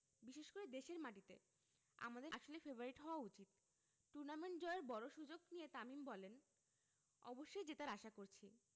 বিশেষ করে দেশের মাটিতে আমাদের আসলে ফেবারিট হওয়া উচিত টুর্নামেন্ট জয়ের বড় সুযোগ নিয়ে তামিম বললেন অবশ্যই জেতার আশা করছি